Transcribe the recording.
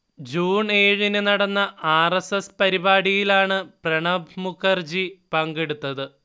June ഏഴിന് നടന്ന R. S. S പരിപാടിയിലാണ് പ്രണബ് മുഖർജി പങ്കെടുത്തത്